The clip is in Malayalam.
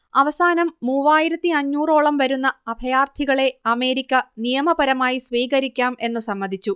അവസാനം മൂവായിരത്തിയഞ്ഞൂറ് ഓളം വരുന്ന അഭയാർത്ഥികളെഅമേരിക്ക നിയമപരമായി സ്വീകരിക്കാം എന്നു സമ്മതിച്ചു